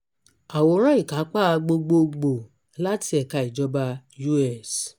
Àworan Ìkápá Gbogboògbò láti ẹ̀ka ìjọba US.